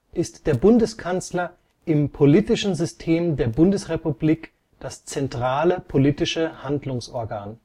ist der Bundeskanzler im politischen System der Bundesrepublik das zentrale politische Handlungsorgan